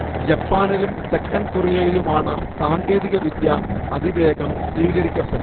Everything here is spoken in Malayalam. ജപ്പാനിലും തെക്കൻ കൊറിയയിലുമാണ് സാങ്കേതിക വിദ്യ അതിവേഗം സ്വീകരിക്കപ്പെട്ടത്